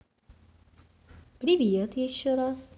привет еще раз